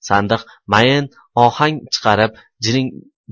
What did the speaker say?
sandiq mayin ohang chiqarib